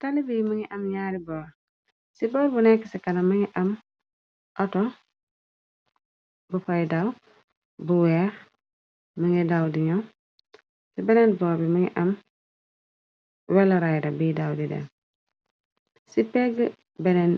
Talibiy më ngi am ñaari boor ci boor bu nekk ci kana mangi am ato bu fay daw bu weex më ngi daw di ño ci benen bor bi më ngi am wela rayra biy daw didel ci pégg benen